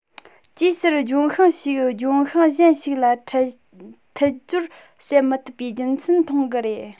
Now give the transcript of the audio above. ཅིའི ཕྱིར ལྗོན ཤིང ཞིག ལྗོན ཤིང གཞན ཞིག ལ མཐུད སྦྱོར བྱེད མི ཐུབ པའི རྒྱུ མཚན མཐོང གི རེད